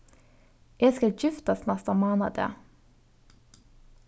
eg skal giftast næsta mánadag